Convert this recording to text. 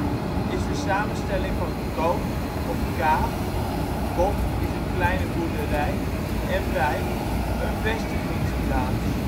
is een samenstelling van koot, kaat (" kot, kleine boerderij ") en wijk (" vestigingsplaats